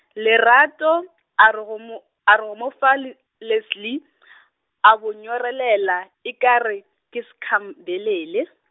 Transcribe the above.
Lerato, a re go mo, a re go mo fa le, Leslie , a bo nyorelela, e ka re, ke s- -khampelele.